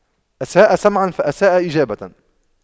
أساء سمعاً فأساء إجابة